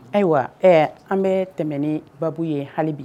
Ayiwa ɛ an bɛ tɛmɛ ni baa ye hali bi